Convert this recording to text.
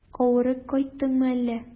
Авырып кайттыңмы әллә?